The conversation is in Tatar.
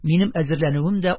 Минем әзерләнүем дә